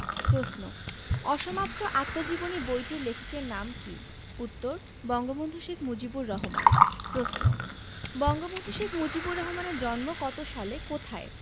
প্রশ্ন অসমাপ্ত আত্মজীবনী বইটির লেখকের নাম কী উত্তর বঙ্গবন্ধু শেখ মুজিবুর রহমান প্রশ্ন বঙ্গবন্ধু শেখ মুজিবুর রহমানের জন্ম কত সালে কোথায়